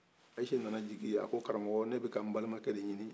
ayise nana jigi a ko karamɔgɔ ne bɛ ka n balimankɛ de ɲini